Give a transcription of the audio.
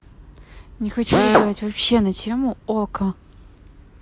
не хочу разговаривать вообще на тему okko